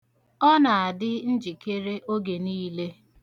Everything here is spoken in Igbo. Ọ na-adị njikere oge niile.